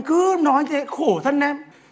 anh cứ nói thế khổ thân em